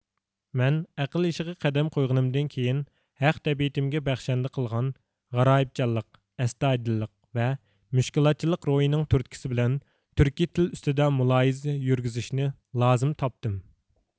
مەن ئەقىل يېشىغا قەدەم قويغىنىمدىن كېيىن ھەق تەبىئىيىتىمىگە بەخشەندە قىلغان غارايىبچانلىق ئەستايىدىللىق ۋە مۇشكۈلاتچىلىق روھىنىڭ تۈرتكىسى بىلەن تۈركىي تىل ئۈستىدە مۇلاھىزە يۈرگۈزۈشنى لازىم تاپتىم